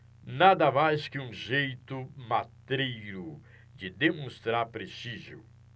nada mais que um jeito matreiro de demonstrar prestígio